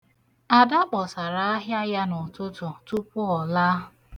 Ada kpọsara ahịa ya n'ụtụtụ tupu ọ laa.